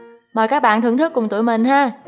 mời các bạn thưởng thức cùng tụi mình ha